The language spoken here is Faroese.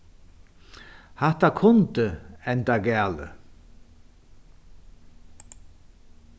hatta kundi endað galið